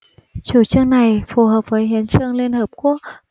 chủ trương này phù hợp với hiến chương liên hiệp quốc